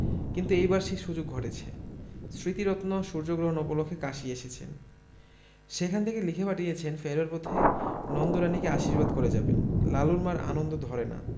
কিন্তু এইবার সেই সুযোগ ঘটেছে স্মৃতিরত্ন সূর্যগ্রহণ উপলক্ষে কাশী এসেছেন সেখান থেকে লিখে পাঠিয়েছেন ফেরবার পথে নন্দরানীকে আশীর্বাদ করে যাবেন লালুর মা'র আনন্দ ধরে না